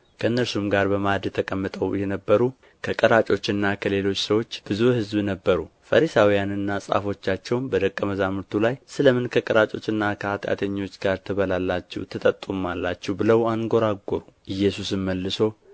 ከእነርሱም ጋር በማዕድ ተቀምጠው የነበሩ ከቀራጮችና ከሌሎች ሰዎች ብዙ ሕዝብ ነበሩ ፈሪሳውያንና ጻፎቻቸውም በደቀ መዛሙርቱ ላይ ስለ ምን ከቀራጮችና ከኃጢአተኞች ጋር ትበላላችሁ ትጠጡማላችሁ ብለው አንጐራጐሩ ኢየሱስም መልሶ